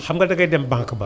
xam nga da ngay dem banque ba